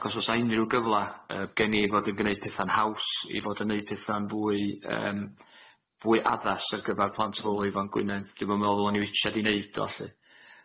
Ac os o's 'a unryw gyfla yy gen i fod yn gneud petha'n haws i fod yn neud petha'n fwy yym fwy addas ar gyfar phobol ifanc Gwynedd dwi'm yn me'wl dd'la ni witsiad i neud o lly.